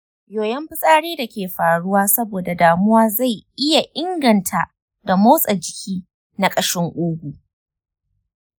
yoyon fitsari da ke faruwa saboda damuwa zai iya inganta da motsa jiki na ƙashin ƙugu.